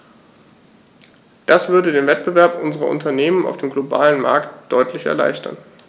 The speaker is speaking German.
Das würde den Wettbewerb unserer Unternehmen auf dem globalen Markt deutlich erleichtern.